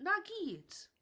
'Na gyd.